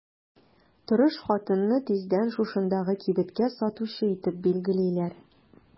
Тырыш хатынны тиздән шушындагы кибеткә сатучы итеп билгелиләр.